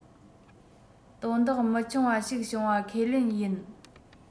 དོན དག མི ཆུང བ ཞིག བྱུང བ ཁས ལེན ཡིན